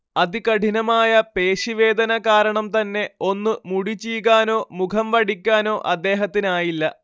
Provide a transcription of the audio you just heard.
അതികഠിനമായ പേശി വേദന കാരണം തന്നെ ഒന്ന് മുടി ചീകാനോ മുഖം വടിക്കാനൊ അദ്ദേഹത്തിനായില്ല